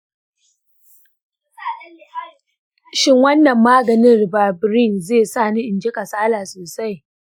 shin wannan maganin ribavirin zai sa in jin kasala sosai?